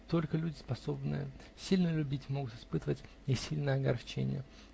Только люди, способные сильно любить, могут испытывать и сильные огорчения